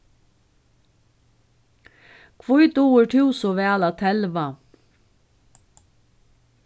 hví dugir tú so væl at telva